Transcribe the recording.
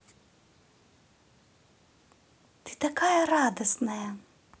ты такая радостная